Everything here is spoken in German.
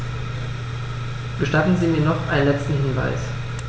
Gestatten Sie mir noch einen letzten Hinweis.